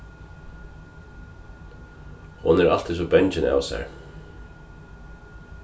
hon er altíð so bangin av sær